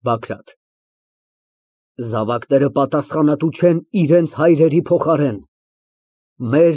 ԲԱԳՐԱՏ ֊ Զավակները պատասխանատու չեն իրենց հայրերի փոխարեն։